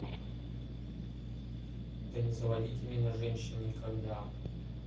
да не заводите меня женщин никогда